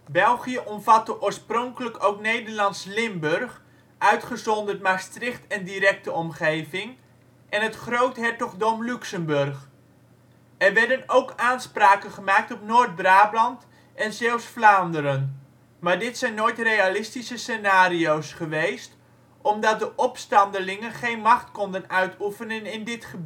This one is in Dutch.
België omvatte oorspronkelijk ook Nederlands Limburg (uitgezonderd Maastricht en directe omgeving) en het Groothertogdom Luxemburg. Er werden ook aanspraken gemaakt op Noord-Brabant en Zeeuws-Vlaanderen, maar dit zijn nooit realistische scenario 's geweest omdat de opstandelingen geen macht konden uitoefenen in dit